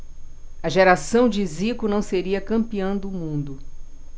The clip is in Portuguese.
a geração de zico não seria campeã do mundo